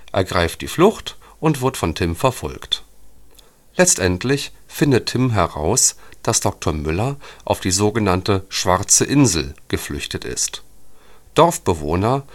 erneut die Flucht, und Tim verfolgt ihn. Letztendlich findet Tim heraus, dass Dr. Müller auf die so genannte „ Schwarze Insel “geflüchtet ist. Dorfbewohner